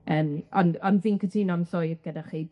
Yym ond ond fi'n cytuno'n llwyr gyda chi.